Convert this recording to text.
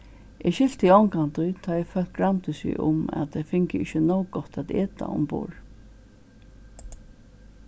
eg skilti ongantíð tá fólk gramdu seg um at tey fingu ikki nóg gott at eta umborð